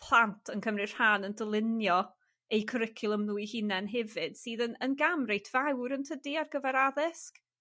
plant yn cymryd rhan yn dylunio eu cwricwlwm nw eu hunen hefyd sydd yn yn gam reit fawr yntydy ar gyfer addysg?